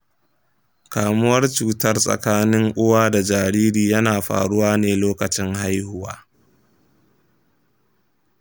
kamuwar cutar tsakanin uwa da jariri yana faruwa ne lokacin haihuwa.